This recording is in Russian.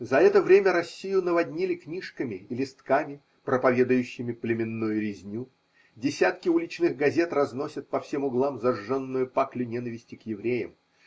за это время Россию наводнили книжками и, листками, проповедующими племенную резню, десятки уличных газет разносят по всем углам зажженную паклю ненависти к евреям